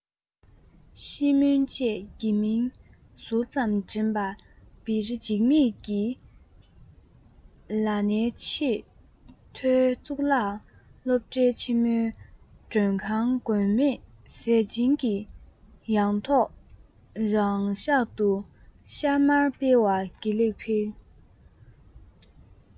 ཤིས སྨོན བཅས དགེ མིང ཟུར ཙམ འདྲེན པ བེ རི འཇིགས མེད ཀྱིས ཝཱ ཎའི ཆེས མཐོའི གཙུག ལག སློབ གྲྭའི ཆེན མོའི མགྲོན ཁང མགོན མེད ཟས སྦྱིན གྱི ཡང ཐོག རང ཤག ཏུ ཤར མར སྤེལ བ དགེ ལེགས འཕེལ